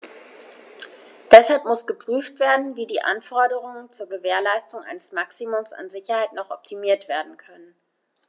Deshalb muss geprüft werden, wie die Anforderungen zur Gewährleistung eines Maximums an Sicherheit noch optimiert werden können.